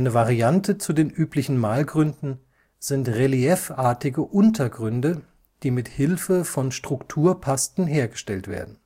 Variante zu den üblichen Malgründen sind reliefartige Untergründe, die mit Hilfe von Strukturpasten hergestellt werden